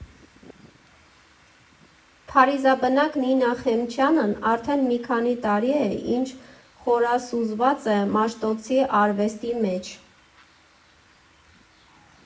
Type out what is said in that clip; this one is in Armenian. Փարիզաբնակ Նինա Խեմչյանն արդեն մի քանի տարի է, ինչ խորասուզված է Մաշտոցի արվեստի մեջ։